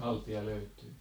haltia löytyi